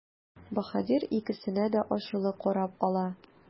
Баһадир икесенә дә ачулы карап ала.